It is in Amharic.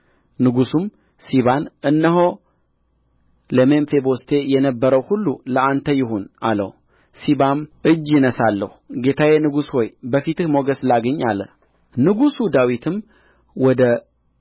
ንጉሡን እነሆ የእስራኤል ቤት ዛሬ የአባቴን መንግሥት ይመልስልኛል ብሎ በኢየሩሳሌም ተቀምጦአል አለው ንጉሡም ሲባን እነሆ ለሜምፊቦስቴ የነበረው ሁሉ ለአንተ ይሁን አለው ሲባም እጅ እነሣለሁ ጌታዬ ንጉሥ ሆይ በፊትህ ሞገስ ላግኝ አለ ንጉሡ ዳዊትም ወደ